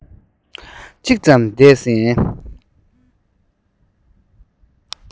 གཅིག ཙམ འདས ཟིན